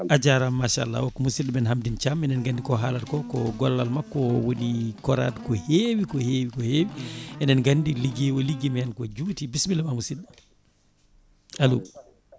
a jarama machallah o ko musidɗo men Hamedine Thiam enen gandi ko haalata ko ko gollal makko o woni korat ko heewi ko heewi ko heewi enen gandi ligguey o ligguima hen ko juuti bisimilla ma musidɗo alo